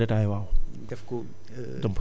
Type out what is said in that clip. voilà xam naa da nga ko détaillé